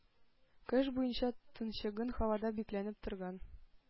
Кыш буенча тынчыган һавада бикләнеп торган